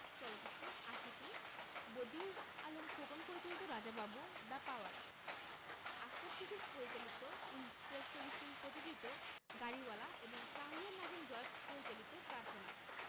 চলচ্চিত্র আশিকী বদিউল আলম খোকন পরিচালিত Raja Babu the power Ashraf Shishir পরিচালিত ইমপ্রেস টেলিফিল্ম প্রযোজিত গাড়িওয়ালা এবং শাহরিয়ার নাজিম জয় পরিচালিত প্রার্থনা